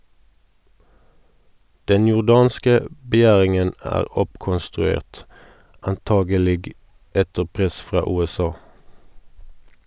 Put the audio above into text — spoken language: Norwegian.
Den jordanske begjæringen er oppkonstruert, antagelig etter press fra USA.